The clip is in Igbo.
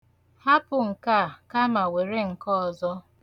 Hapụ nke a kama were nke ọzọ.